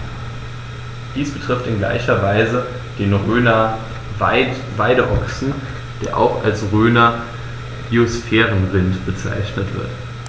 Dies betrifft in gleicher Weise den Rhöner Weideochsen, der auch als Rhöner Biosphärenrind bezeichnet wird.